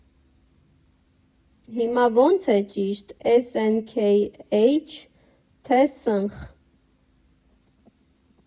Հիմա ո՞նց է ճիշտ՝ Էս֊Էն֊Քեյ֊Է՞յչ, թե՞ Սնխ։